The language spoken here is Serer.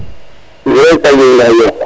*